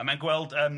A mae'n gweld yym